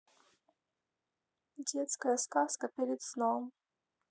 детская сказка перед сном